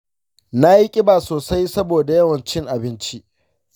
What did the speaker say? na yi ƙiba sosai saboda yawan cin abinci.